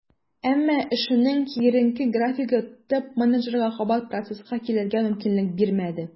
Әмма эшенең киеренке графигы топ-менеджерга кабат процесска килергә мөмкинлек бирмәде.